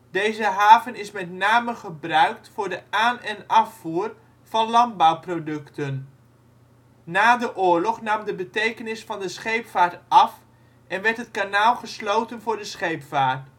Deze haven is met name gebruikt voor de aan - en afvoer van landbouwproducten. Na de oorlog nam de betekenis van de scheepvaart af en werd het kanaal gesloten voor de scheepvaart